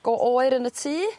go oer yn y tŷ